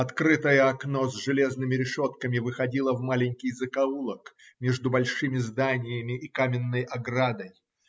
Открытое окно с железными решетками выходило в маленький закоулок между большими зданиями и каменной оградой